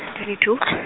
twenty two .